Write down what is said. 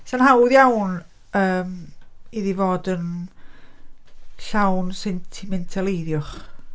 'Sa'n hawdd iawn yym iddi fod yn llawn sentimentaleiddiwch.